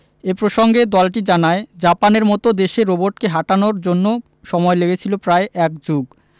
এ প্রসঙ্গে দলটি জানায় জাপানের মতো দেশে রোবটকে হাঁটানোর জন্য সময় লেগেছিল প্রায় এক যুগ